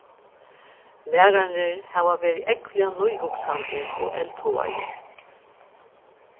lærararnir hava verið ógvuliga nýhugsandi og eldhugaðir